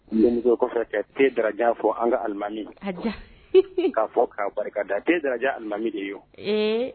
Den kɔfɛ ka fɔ an kalimami ka ka fɔ k'a barika da da alimami de wo